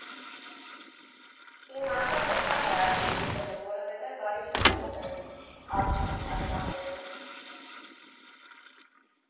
Իմ ասածը շատ է աչքի ընկնում, որովհետև բարի ժպիտով եմ ասում այդ ամենը։